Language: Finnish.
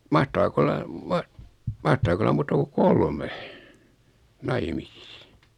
mahtaako olla - mahtaako olla muuta kuin kolme naimisissa